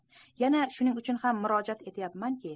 yana shuning uchun ham murojaat etayapmanki